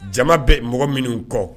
Jama bɛ mɔgɔ minnu kɔ